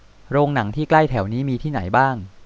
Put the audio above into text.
โรงหนังที่ใกล้แถวนี้มีที่ไหนบ้าง